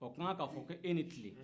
o ka kan k'a fɔ e ni tile